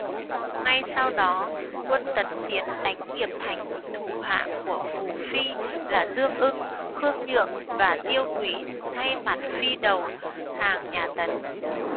ngay sau đó quân tấn tiến đánh nghiệp thành thủ hạ của phù phi là dương ưng khương nhượng và tiêu quỳ thay mặt phi đầu hàng nhà tấn